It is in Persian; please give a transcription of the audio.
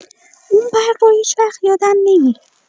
اون برق رو هیچ‌وقت یادم نمی‌ره.